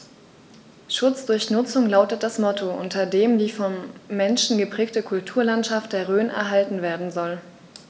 „Schutz durch Nutzung“ lautet das Motto, unter dem die vom Menschen geprägte Kulturlandschaft der Rhön erhalten werden soll.